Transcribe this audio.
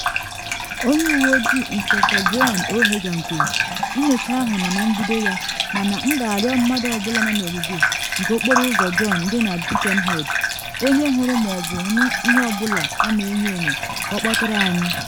Onye Uwe Ojii Ịnspektọ Brian O'Hagan kwuru: ‘Nnyocha ahụ nọ na mbido ya mana m ga-arịọ mmadụ ọ bụla nọ n’ogige nke Okporo Ụzọ John dị na Birkenhead onye hụrụ ma ọ bụ nụ ihe ọ bụla a na enyo enyo ka ọ kpọtụrụ anyị.